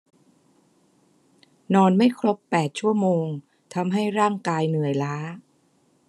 นอนไม่ครบแปดชั่วโมงทำให้ร่างกายเหนื่อยล้า